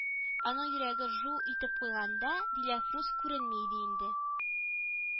Аның йөрәге жу итеп куйганда, Диләфрүз күренми иде инде